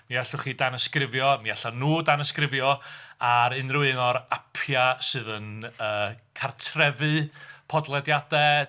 Mi allwch chi danysgrifio, mi alla nhw danysgrifio ar unrhyw un o'r apiau sydd yn yy cartrefu podlediadau.